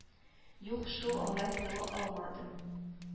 Юк шул алай була алмады